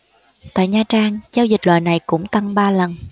tại nha trang giao dịch loại này cũng tăng ba lần